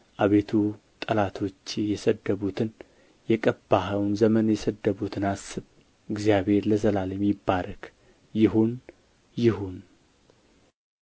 አቤቱ ጠላቶችህን የሰደቡትን የቀባኸውን ዘመን የሰደቡትን አስብ እግዚአብሔር ለዘላለም ይባረክ ይሁን ይሁን